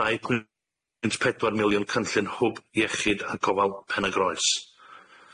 Dau pwynt pedwar miliwn cynllun hwb iechyd a gofal Pen-y-Groes.